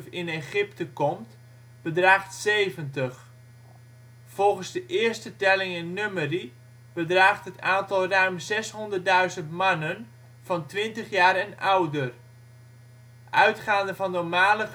in Egypte komt, bedraagt zeventig. Volgens de eerste telling in Numeri bedraagt het aantal ruim 600.000 mannen van 20 jaar en ouder. Uitgaande van normale